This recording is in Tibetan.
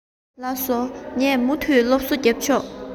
ལགས སོ ངས མུ མཐུད སློབ གསོ རྒྱབ ཆོག